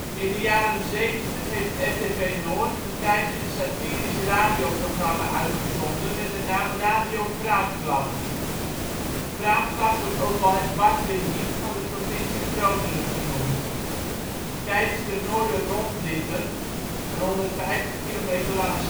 In de jaren zeventig heeft RTV Noord een tijdje een satirisch radioprogramma uitgezonden met de naam Radio Fraamklap. Fraamklap wordt ook wel het " Barthlehiem " van de provincie Groningen genoemd. Tijdens de Noorder Rondritten (een 150 km lange schaatstocht